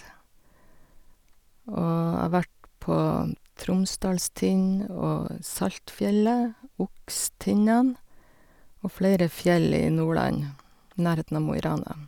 Og jeg har vært på Tromsdalstind, og Saltfjellet, Okstindan, og flere fjell i Nordland, nærheten av Mo i Rana.